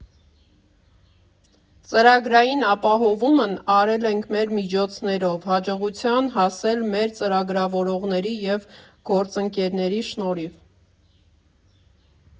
Ծրագրային ապահովումն արել ենք մեր միջոցներով, հաջողության հասել մեր ծրագրավորողների և գործընկերների շնորհիվ։